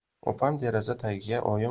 opam deraza tagiga